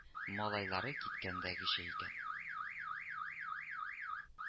Малайлары киткәндәгечә икән